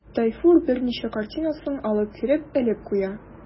Тайфур берничә картинасын алып кереп элеп куя.